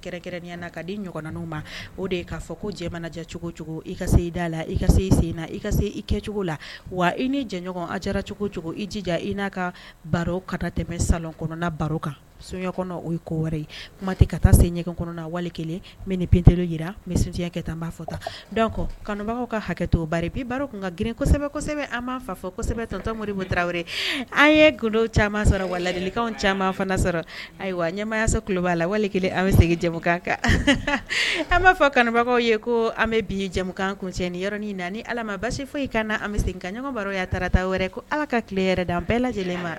La i sen i i la wa i ni jɛcogoja i n'a ka baro ka tɛmɛ sa baro kan ɲɛ ni jira sunjataya dɔw kɔbagaw ka hakɛ bi tun grinsɛbɛsɛbɛ an matomomuta an ye g gololo caman sɔrɔ wa lali caman fana sɔrɔ ayiwa ɲɛmasobaa la wali an bɛ seginkan kan an b'a fɔ kanubagaw ye ko an bɛ bi jɛkan kunc yɔrɔin na ala ma basi fo kan an bɛ segin ka baro y'a taara taa wɛrɛ da an bɛɛ lajɛlen ma